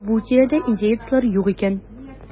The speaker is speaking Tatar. Бу тирәдә индеецлар юк икән.